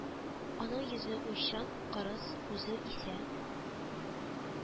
Аның йөзе уйчан, кырыс, үзе исә